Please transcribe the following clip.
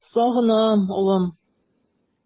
Сагынам, улым!